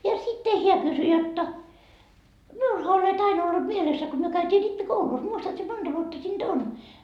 ja sitten hän kysyi jotta minullahan olet aina ollut mielessä kun me käytiin rippikoulussa muistatko sinä monta vuotta siitä on